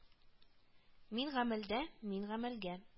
Мин гамәлдә, мин галәмгә